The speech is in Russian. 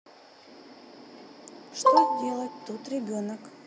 что делать тут ребенок